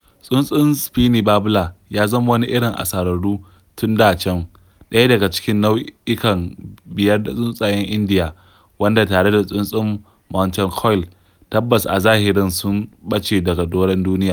Tsuntsun Spiny Babbler ya zama wani irin asararu tun da can, ɗaya daga cikin nau'ika biyar na tsuntsayen Indiya, wanda, tare da tsuntsun Mountain ƙuail, tabbas a zahirin sun ɓace daga doron duniya.